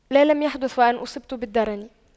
لا لم يحدث وأن اصبت بالدرن